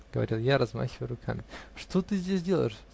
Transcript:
-- говорил я, размахивая руками. -- Что ты здесь делаешь?